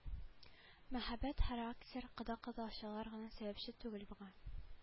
Мәхәббәт характер кода-кодачалар гына сәбәпче түгел моңа